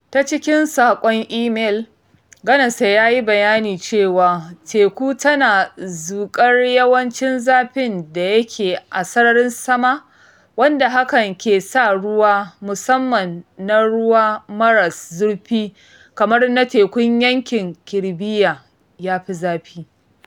Ta cikin saƙon email, Ganase ya yi bayani cewa teku tana zuƙar yawancin zafin da yake a sararin sama, wanda hakan ke sa ruwa - musamman ma ruwa maras zurfi kamar na Tekun Yankin Karibiya - ya yi zafi.